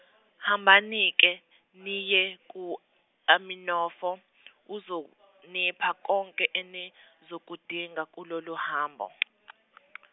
hambanike niye ku Aminofo uzonipha konke enizokudinga kulolu hambo .